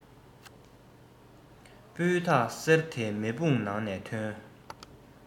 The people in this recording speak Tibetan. སྤུས དག གསེར དེ མེ དཔུང ནང ནས ཐོན